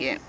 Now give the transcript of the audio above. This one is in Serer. jegkee.